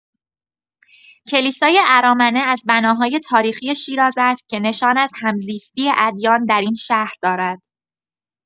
کلیسای ارامنه از بناهای تاریخی شیراز است که نشان از همزیستی ادیان در این شهر دارد.